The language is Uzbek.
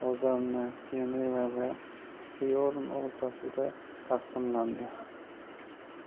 bazel lozanna jeneva va byorn o'rtasida taqsimlandi